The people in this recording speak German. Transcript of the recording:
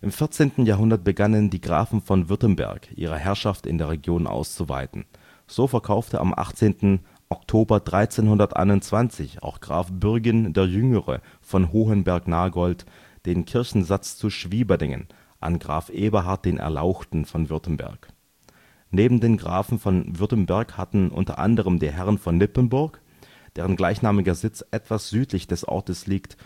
14. Jahrhundert begannen die Grafen von Württemberg, ihre Herrschaft in der Region auszuweiten. So verkaufte am 18. Oktober 1321 auch Graf Bürgin der Jüngere von Hohenberg-Nagold den Kirchensatz zu Schwieberdingen an Graf Eberhard den Erlauchten von Württemberg. Neben den Grafen von Württemberg hatten unter anderem die Herren von Nippenburg, deren gleichnamiger Sitz etwas südlich des Ortes liegt